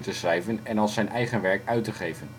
schrijven en als zijn eigen werk uit te geven